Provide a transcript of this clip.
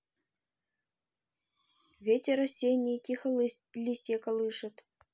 ветер осенний тихо листья колышет